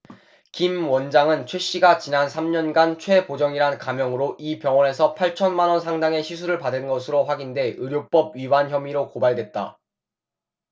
김 원장은 최씨가 지난 삼 년간 최보정이란 가명으로 이 병원에서 팔천 만원 상당의 시술을 받은 것으로 확인돼 의료법 위반 혐의로 고발됐다